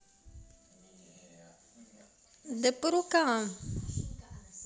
да по рукам